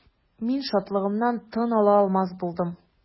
Мин шатлыгымнан тын ала алмас булдым.